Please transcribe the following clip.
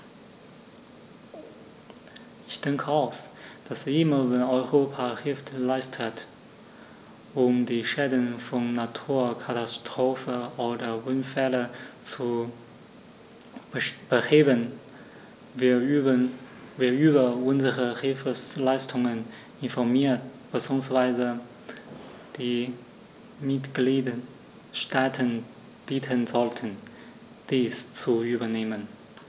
Ich denke auch, dass immer wenn Europa Hilfe leistet, um die Schäden von Naturkatastrophen oder Unfällen zu beheben, wir über unsere Hilfsleistungen informieren bzw. die Mitgliedstaaten bitten sollten, dies zu übernehmen.